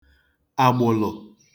àgbụ̀lụ̀